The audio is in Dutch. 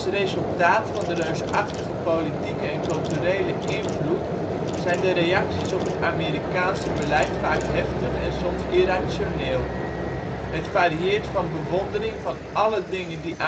resultaat van de reusachtige politiek als culturele invloed zijn de reacties naar de V.S. vaak heftig en soms irrationeel. Het varieert van bewondering van alle dingen die